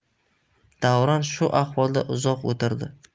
davron shu ahvolda uzoq o'tirdi